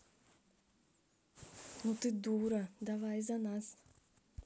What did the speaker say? ну ты дура давай за нас